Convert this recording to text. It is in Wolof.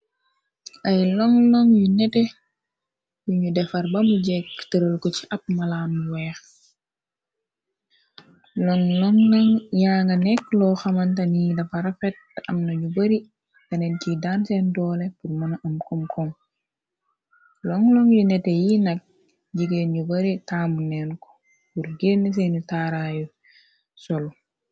Ay lon-long yu nete, bu ñu defar bamu jekk tërël ko ci ab malaam weex, lon long no yaa nga nekk loo xamantani dafa rafet am nañu bari abtanen ciy daan seen doole bur mëna am kom kom, long lon yu nete yi nak jigeen ñu bare taamu neen ko pur gënn seenu taaraayu solu.